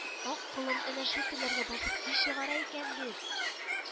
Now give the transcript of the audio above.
Ак колын әнә шул телләргә басып көй чыгара икән бит!..”